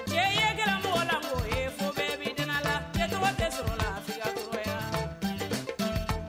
MUSIQUE ET CHANSON